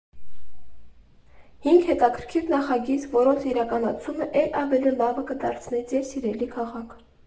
Հինգ հետաքրքիր նախագիծ, որոնց իրականացումը է՛լ ավելի լավը կդարձնի ձեր սիրելի քաղաքը։